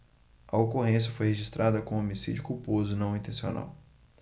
a ocorrência foi registrada como homicídio culposo não intencional